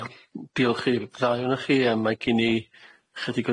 Iawn diolch i'r ddau ohonoch chi a mae gen i chydig